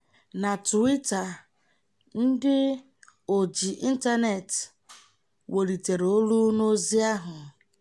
Na Twitter, ndị oji intaneetị welitere olu n'ozi ahụ.